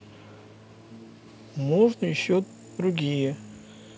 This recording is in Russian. можно еще другие